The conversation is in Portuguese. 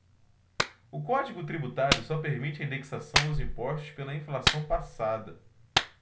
o código tributário só permite a indexação dos impostos pela inflação passada